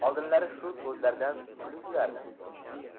oldinlari shu so'zlardan kulib yurardi